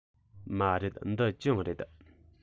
མ རེད འདི གྱང རེད